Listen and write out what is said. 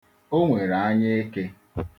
O nwere anya eke.